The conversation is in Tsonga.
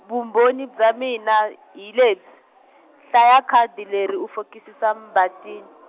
vumbhoni bya mina hi lebyi, hlaya khadi leri i fokisi Mbatini.